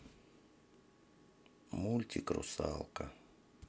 мультик русалка